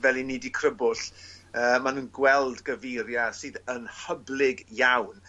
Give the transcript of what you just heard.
fel 'yn ni 'di crybwll yy ma' nhw'n gweld Gaveria sydd yn hyblyg iawn